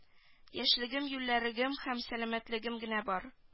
Яшьлегем-юләрлегем һәм сәламәтлегем генә бар